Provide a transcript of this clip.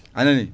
anani